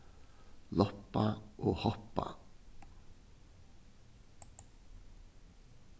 loppa og hoppa